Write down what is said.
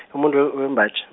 umuntu we- wembaji.